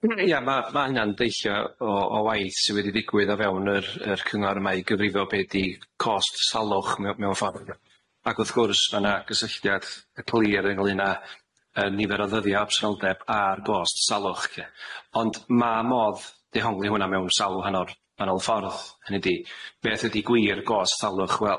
Ia ma' ma' hynna'n deillio o o waith sy wedi ddigwydd o fewn yr yr cyngor yma i gyfrifo be' 'di cost salwch mew- mewn ffordd, ag wrth gwrs ma' 'na gysylltiad clir ynglŷn â yy nifer o ddyddiad absenoldeb ar gost salwch 'de ond ma' modd dehongli hwnna mewn sawl hannar annol ffordd hynny 'di beth ydi gwir gost salwch?